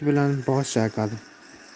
bilan bosh chayqadi